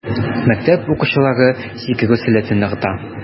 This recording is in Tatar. Мәктәп укучылары сикерү сәләтен ныгыта.